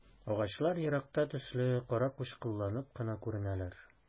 Агачлар еракта төсле каракучкылланып кына күренәләр.